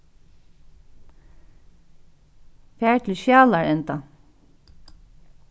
far til skjalarenda